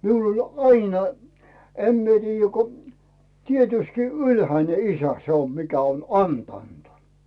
minulla oli aina en minä tiedä kun tietystikin ylhäinen isä se on mikä on antanut